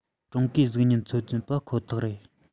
ཀྲུང གོའི གཟུགས བརྙན མཚོན གྱི པ ཁོ ཐག ཡིན